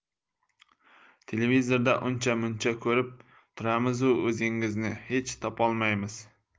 televizorda uncha muncha ko'rib turamizu o'zingizni hech topolmaymiz